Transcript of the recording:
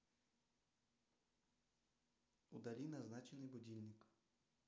удали назначенный будильник